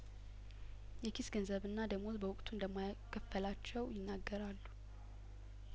የኪስ ገንዘብና ደሞዝ በወቅቱ እንደማይከፈላቸው ይናገራሉ